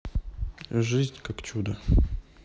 жизнь как чудо